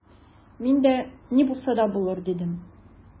Мин дә: «Ни булса да булыр»,— дидем.